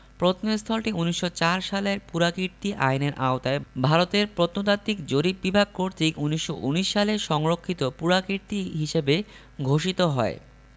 প্রত্নস্থলটি ১৯০৪ সালের পুরাকীর্তি আইনের আওতায় ভারতের প্রত্নতাত্ত্বিক জরিপ বিভাগ কর্তৃক ১৯১৯ সালে সংরক্ষিত পুরাকীর্তি হিসেবে ঘোষিত হয়